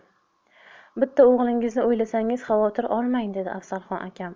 bitta o'g'lingizni o'ylasangiz xavotir olmang dedi afzalxon akam